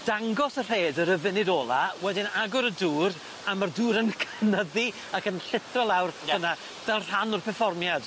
dangos y rhaeadyr y funud ola wedyn agor y dŵr a ma'r dŵr yn cynyddu ac yn llithro lawr fyn 'na fel rhan o'r perfformiad.